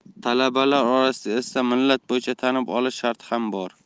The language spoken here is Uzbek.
talablar orasida esa millat bo'yicha tanib olish sharti ham bor